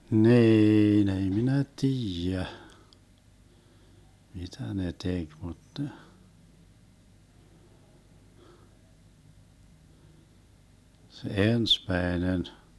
niin ei minä tiedä mitä ne teki mutta ne se ensimmäinen